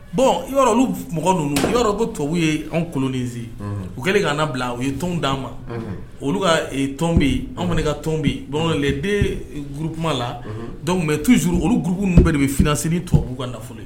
Bɔn olu mɔgɔ ninnu i ko tubabu ye anw kolon u kɛlen ka na bila u ye tɔnon dian ma olu ka tɔnonbi anw mana ka tɔnbi bamanan den gkuma la mɛ t tuu zur olu gugu ninnu bɛ de bɛ fsiri tubabubu ka nafolo